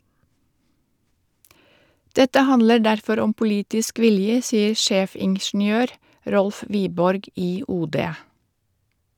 Dette handler derfor om politisk vilje, sier sjefingeniør Rolf Wiborg i OD.